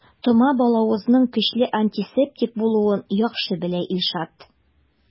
Тома балавызның көчле антисептик булуын яхшы белә Илшат.